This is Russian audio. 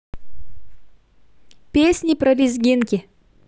песни про лезгинки